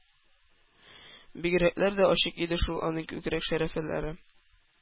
Бигрәкләр дә ачык иде шул аның күкрәк-шәрәфләре!